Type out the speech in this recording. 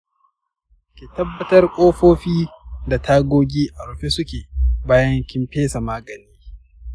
ki tabbatar ƙofofi da tagogi a rufe suke bayan kin pesa magani.